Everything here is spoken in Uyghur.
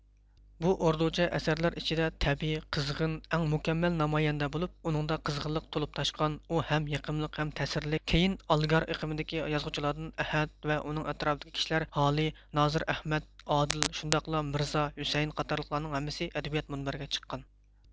بۇ ئوردۇچە ئەسەرلەر ئىچىدە تەبىئىي قىزغىن ئەڭ مۇكەممەل نامايەندە بولۇپ ئۇنىڭدا قىزغىنلىق تولۇپ تاشقان ئۇ ھەم يېقىملىق ھەم تەسىرلىك كېيىن ئالىگار ئېقىمىدىكى يازغۇچىلاردىن ئەھەد ۋە ئۇنىڭ ئەتراپىدىكى كىشىلەر ھالى نازىر ئەھمەد ئادىل شۇنداقلا مىرزا ھۈسەيىن قاتارلىقلارنىڭ ھەممىسى ئەدەبىيات مۇنبىرىگە چىققان